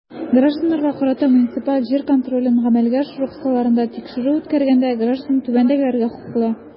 Гражданнарга карата муниципаль җир контролен гамәлгә ашыру кысаларында тикшерү үткәргәндә граждан түбәндәгеләргә хокуклы.